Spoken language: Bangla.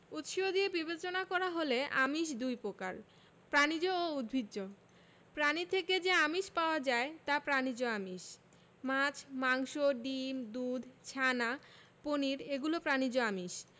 উৎস দিয়ে বিবেচনা করা হলে আমিষ দুই প্রকার প্রাণিজ ও উদ্ভিজ্জ প্রাণী থেকে যে আমিষ পাওয়া যায় তা প্রাণিজ আমিষ মাছ মাংস ডিম দুধ ছানা পনির এগুলো প্রাণিজ আমিষ